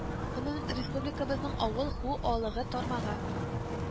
Гомумән, республикабызның авыл ху алыгы тармагы